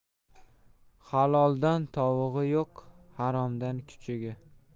haloldan tovug'i yo'q haromdan kuchugi